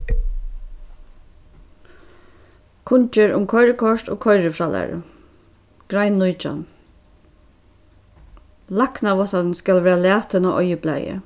kunngerð um koyrikort og koyrifrálæru grein nítjan læknaváttanin skal vera latin á oyðublaði